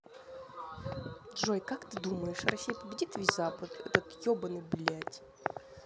джой как ты думаешь россия победит весь запад этот ебаный блядь